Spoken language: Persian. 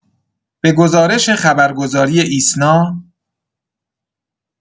به گزارش خبرگزاری ایسنا